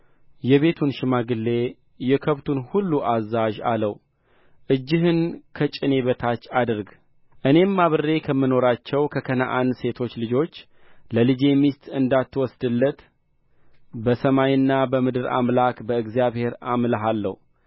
የቤቱን ሽማግሌ የከብቱን ሁሉ አዛዥ አለው እጅህን ከጭኔ በታች አድርግ እኔም አብሬ ከምኖራቸው ከከነዓን ሴቶች ልጆች ለልጄ ሚስት እንዳትወስድለት በሰማይና በምድር አምላክ በእግዚአብሔር አምልሃለሁ